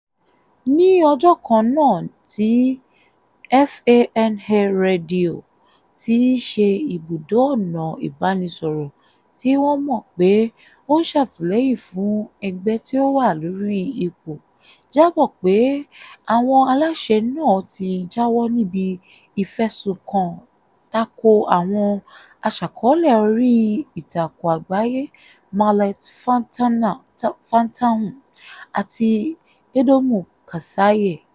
Ní ọjọ́ kannáà tí FANA Rédíò, tíí ṣe ibùdó ọ̀nà ìbánisọ̀rọ̀ tí wọ́n mọ̀ pé ó ń ṣàtìlẹ́yìn fún ẹgbẹ́ tí ó wà lórí ipò, jábọ̀ pé àwọn aláṣẹ náà tí jáwọ́ níbi ìfẹ̀sùnkàn tako àwọn aṣàkọ́ọ́lẹ̀ orí ìtàkùn àgbáyé Mahlet Fantahun àti Édómù Kassaye.